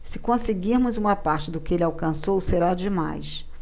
se conseguirmos uma parte do que ele alcançou será demais